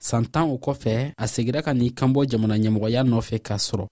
san tan o kɔfɛ a segira ka na i kanbɔ jamanaɲɛmɔgɔya nɔfɛ k'a sɔrɔ